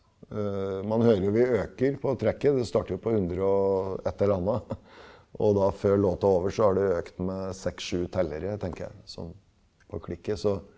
man hører jo vi øker på det starter jo på 100 og et eller anna og da før låta er over så har det økt med seks sju tellere tenker jeg som får klikket så.